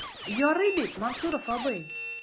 Ярый бит, Мансуров абый?